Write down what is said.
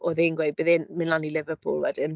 Oedd e'n gweud bydd e'n mynd lan i Liverpool wedyn.